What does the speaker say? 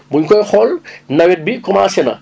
buñ koy xool nawet bi commencé na